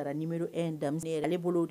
Rang numéro 1 daminɛ yɛrɛ la ale bolo